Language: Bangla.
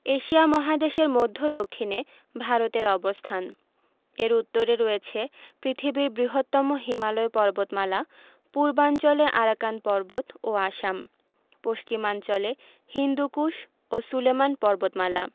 এশিয়া মহাদেশের মদ্ধ্য দক্ষিনে ভারতের অবস্থান এর উত্তরে রয়েছে পৃথিবীর বৃহত্তম হিমালয় পর্বতমালা পূর্বাঞ্চলে আরাকান পর্বত ও আসাম পশ্চিমাঞ্চলে হিন্দুকুশ ও সুলেমান পর্বতমালা